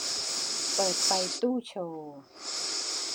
เปิดไฟตู้โชว์